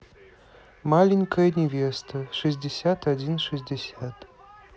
маленькая невеста шестьдесят один шестьдесят